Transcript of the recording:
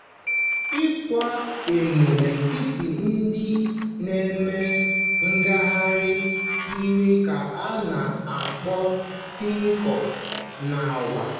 Ịkwa emo n'etiti ndị na-eme ngagharị iwe ka a na-akpọ "picong" n'ogbe.